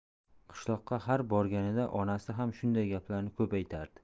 qishloqqa har borganida onasi ham shunday gaplarni ko'p aytardi